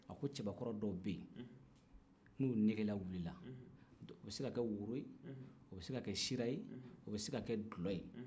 a ko cɛbakɔrɔ dɔw bɛ yen n'olu negela wilila o bɛ se ka kɛ woro ye o bɛ se ka kɛ sira ye o bɛ se ka dulo ye